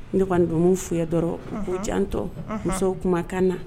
Ne kɔni bɛ min f'u ye dɔrɔn u k'u janto musow kumakan na